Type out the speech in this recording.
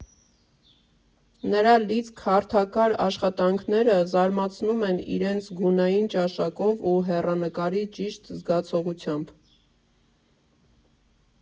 Նրա լիցք֊հարթակար աշխատանքները զարմացնում են իրենց գունային ճաշակով ու հեռանկարի ճիշտ զգացողությամբ։